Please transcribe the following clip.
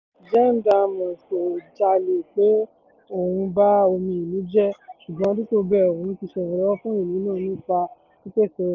Gem Diamonds kọ̀ jálẹ̀ pé òun ba omi ìlú jẹ́ ṣùgbọ́n dípò bẹ́ẹ̀ òun ti ṣe ìrànlọ́wọ́ fún ìlú náà nípa pípèsè omi.